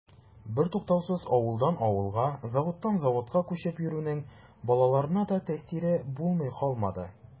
Бертуктаусыз авылдан авылга, заводтан заводка күчеп йөрүнең балаларына да тәэсире булмый калмады.